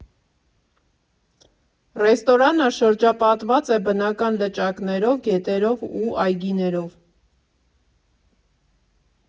Ռեստորանը շրջապատված է բնական լճակներով, գետերով ու այգիներով։